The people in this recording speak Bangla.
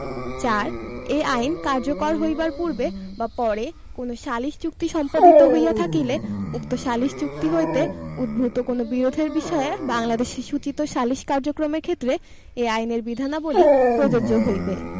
৪ এই আইন কার্যকর হইবার পূর্বে বা পরে কোন সালিস চুক্তি সম্পাদিত হইয়া থাকিলে উক্ত সালিস চুক্তি হইতে উদ্ভুত কোন বিরোধের বিষয়ে বাংলাদেশে সূচিত সালিস কার্যক্রমের ক্ষেত্রে এই আইনের বিধানাবলী প্রযোজ্য হইবে